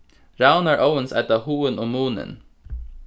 ravnar óðins eita hugin og munin